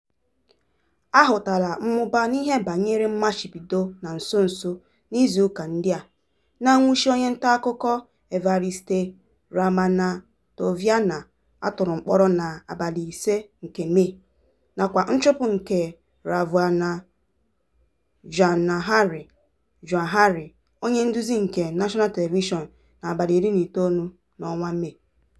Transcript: A hụtala mmụba n'ihe banyere mmachibido na nso nso n'izuụka ndị a, na nnwụchi onye ntaakụkọ Evariste Ramanatsoavina, a tụrụ mkpọrọ na Mee, 5th, nakwa nchụpụ nke Ravoajanahary Johary, onye nduzi nke National Television na Mee 19th.